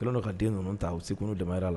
O kɛlen don ka den ninnu ta u se ko n'u damayira la.